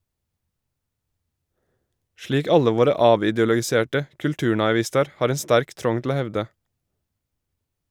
Slik alle våre avideologiserte kulturnaivistar har ein sterk trong til å hevde.